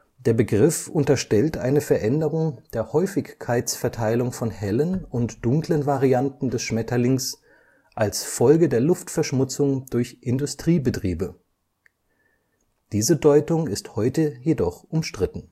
Der Begriff unterstellt eine Veränderung der Häufigkeitsverteilung von hellen und dunklen Varianten des Schmetterlings als Folge der Luftverschmutzung durch Industriebetriebe. Diese Deutung ist heute jedoch umstritten